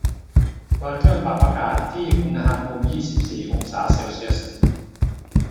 เปิดเครื่องปรับอากาศที่อุณหภูมิยี่สิบสี่องศาเซลเซียส